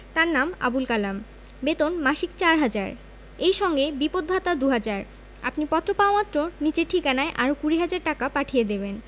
তার নাম আবুল কালাম বেতন মাসিক চার হাজার এই সঙ্গে বিপদ ভাতা দু হাজার আপনি পত্র পাওয়ামাত্র নিচের ঠিকানায় আরো কুড়ি হাজার টাকা পাঠিয়ে দেবেন